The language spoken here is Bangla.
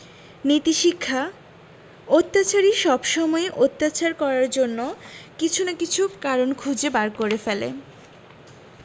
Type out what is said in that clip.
নীতিশিক্ষাঃ অত্যাচারী সবসময়ই অত্যাচার করার জন্য কিছু না কিছু কারণ খুঁজে বার করে ফেলে